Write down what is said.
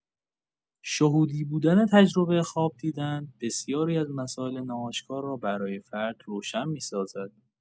شهودی بودن تجربه خواب دیدن، بسیاری از مسائل ناآشکار را برای فرد روشن می‌سازد.